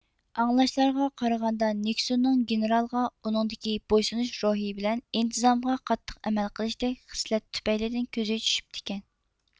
ئاڭلاشلارغا قارىغاندا نېكسوننىڭ گېنېرالغا ئۇنىڭدىكى بويسۇنۇش روھى بىلەن ئىنتىزامغا قاتتىق ئەمەل قىلىشتەك خىسلەت تۈپەيلىدىن كۆزى چۈشۈپتىكەن